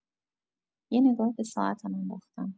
یه نگاه به ساعتم انداختم.